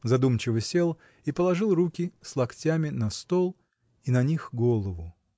задумчиво сел и положил руки с локтями на стол и на них голову.